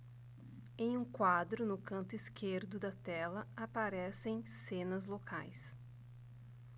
em um quadro no canto esquerdo da tela aparecem cenas locais